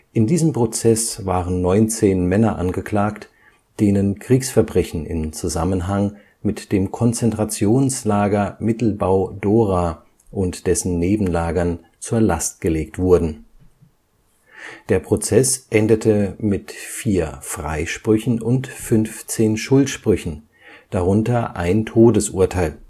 In diesem Prozess waren 19 Männer angeklagt, denen Kriegsverbrechen im Zusammenhang mit dem Konzentrationslager Mittelbau-Dora und dessen Nebenlagern zur Last gelegt wurden. Der Prozess endete mit vier Frei - und 15 Schuldsprüchen, darunter ein Todesurteil